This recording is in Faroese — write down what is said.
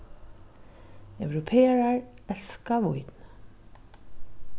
europearar elska vín